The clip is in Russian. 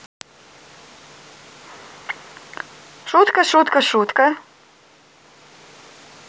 шутка шутка шутка